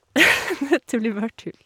Dette blir bare tull.